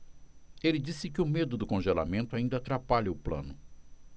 ele disse que o medo do congelamento ainda atrapalha o plano